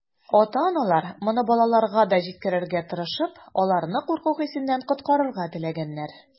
Ата-аналар, моны балаларга да җиткерергә тырышып, аларны курку хисеннән коткарырга теләгәннәр.